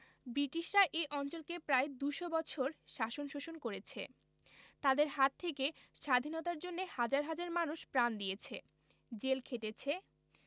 ব্রিটিশরা এই অঞ্চলকে প্রায় দুইশ বছর শাসন শোষণ করেছে তাদের হাত থেকে স্বাধীনতার জন্যে হাজার হাজার মানুষ প্রাণ দিয়েছে জেল খেটেছে